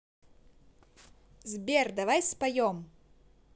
сбер давай споем